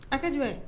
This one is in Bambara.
A jumɛn